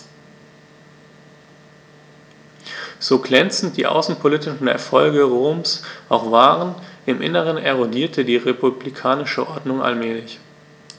So glänzend die außenpolitischen Erfolge Roms auch waren: Im Inneren erodierte die republikanische Ordnung allmählich.